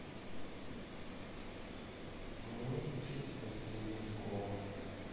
дневник учителя средней школы